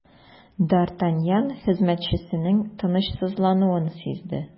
Д’Артаньян хезмәтчесенең тынычсызлануын сизде.